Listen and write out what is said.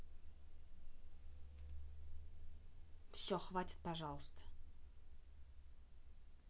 все хватит пожалуйста